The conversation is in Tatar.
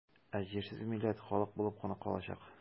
Ә җирсез милләт халык булып кына калачак.